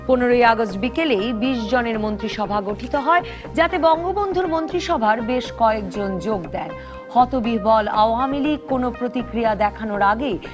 15 August বিকেলেই 20 জনের মন্ত্রিসভা গঠিত হয় যাতে বঙ্গবন্ধুর মন্ত্রিসভার বেশ কয়েকজন যোগ দেন হতবিহ্বল আওয়ামী লীগ কোন প্রতিক্রিয়া দেখানোর আগেই